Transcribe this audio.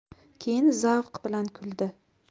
keyin zavq bilan kuldi